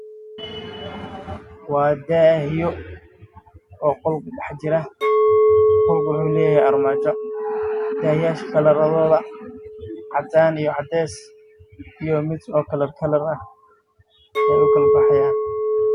Waa daahyo qol ku dhaxjiro qolka waxa uu leeyahay armaajo